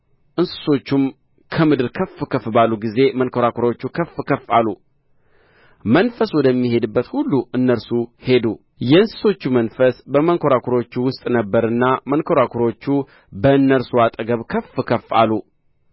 እንስሶቹም ከምድር ከፍ ከፍ ባሉ ጊዜ መንኰራኵሮቹ ከፍ ከፍ አሉ መንፈሱ ወደሚሄድበት ሁሉ እነርሱ ሄዱ የእንስሶች መንፈስ በመንኰራኵሮቹ ውስጥ ነበረና መንኰራኵሮቹ በእነርሱ አጠገብ ከፍ ከፍ አሉ